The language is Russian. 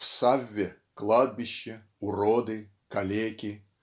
В "Савве" - кладбище, уроды, калеки